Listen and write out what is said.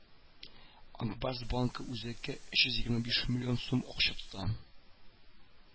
Ак Барс банкы үзәккә өч йөз егерме биш миллион сум акча тота